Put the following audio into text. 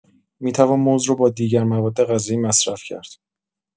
می‌توان موز را با دیگر موادغذایی مصرف کرد.